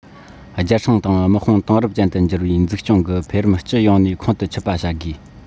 རྒྱལ སྲུང དང དམག དཔུང དེང རབས ཅན དུ འགྱུར བའི འཛུགས སྐྱོང གི འཕེལ རིམ སྤྱི ཡོངས ནས ཁོང དུ ཆུད པ བྱ དགོས